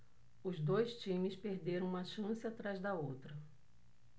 os dois times perderam uma chance atrás da outra